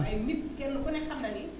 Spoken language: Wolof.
waaye nit kenn ku ne xam na ni